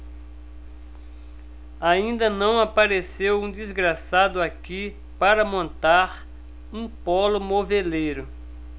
ainda não apareceu um desgraçado aqui para montar um pólo moveleiro